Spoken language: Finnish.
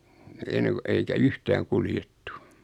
ennen kuin eikä yhtään kuljettu